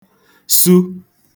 su